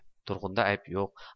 turg'unda ayb yo'q